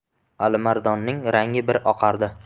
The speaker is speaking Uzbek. alimardonning rangi bir oqardi